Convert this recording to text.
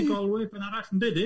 Ydi, Galway, pen arall, yndydi?